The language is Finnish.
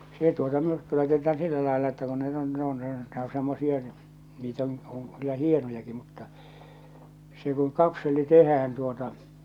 se tuota myrkky laitetaan sillä lailla että kun ne on ne on ne on semmoisia niitä on on kyllä hienojakin mutta se kun kapseli tehdään tuota